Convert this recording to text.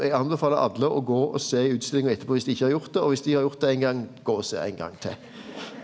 eg anbefaler alle å gå og sjå i utstillinga etterpå viss dei ikkje har gjort det og viss dei har gjort det éin gong gå og sjå éin gong til.